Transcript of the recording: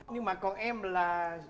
nhưng mà còn em là